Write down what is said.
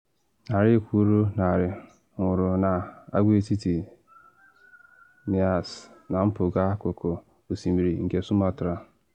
Narị kwụrụ narị nwụrụ na Agwaetiti Nias, na mpụga akụkụ osimiri nke Sumatra.